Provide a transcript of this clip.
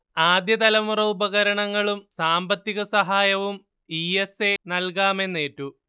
ആദ്യതലമുറ ഉപകരണങ്ങളും സാമ്പത്തികസഹായവും E S A നൽകാമെന്നേറ്റു